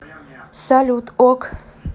салют ок